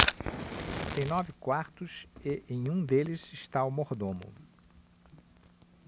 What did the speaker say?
tem nove quartos e em um deles está o mordomo